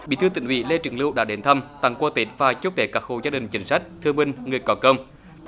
bí thư tỉnh ủy lê trường lưu đã đến thăm tặng quà tết và chúc tết các hộ gia đình chính sách thương binh người có công